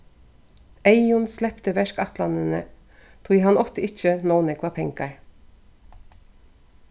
eyðun slepti verkætlanini tí hann átti ikki nóg nógvar pengar